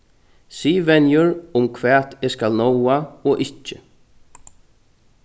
siðvenjur um hvat eg skal náa og ikki